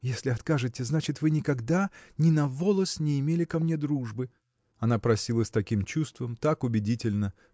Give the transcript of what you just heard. Если откажете, значит вы никогда ни на волос не имели ко мне дружбы. Она просила с таким чувством так убедительно